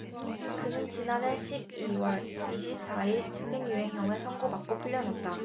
그는 지난해 십 이 월 이십 사 일 집행유예형을 선고받고 풀려났다